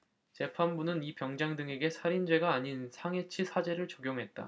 재판부는 이 병장 등에게 살인죄가 아닌 상해치사죄를 적용했다